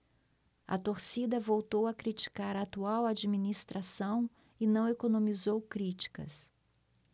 a torcida voltou a criticar a atual administração e não economizou críticas